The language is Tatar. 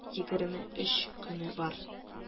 Егерме өч көне бар